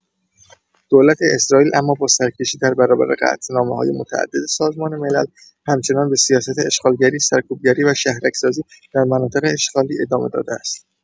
دولت اسرائیل اما با سرکشی در برابر قطعنامه‌های متعدد سازمان ملل هم‌چنان به سیاست اشغالگری، سرکوبگری و شهرک‌سازی در مناطق اشغالی ادامه داده است.